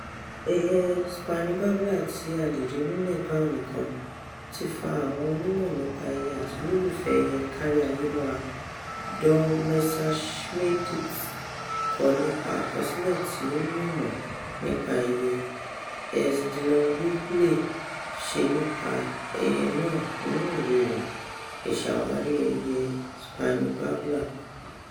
Ẹyẹ Spiny Babbler, tí a lè rí ní Nepal nìkan, ti fa àwọn onímọ̀-nípa-ẹyẹ àti olólùfẹ́ ẹyẹ káríayé mọ́ra. Don Messerschmidt kọ nípa àkọsílẹ̀ tí onímọ̀-nípa-ẹyẹ S. Dillon Ripley ṣe nípa ẹyẹ náà nínú ìwée rẹ̀ Ìṣàwárí ẹyẹ Spiny Babbler: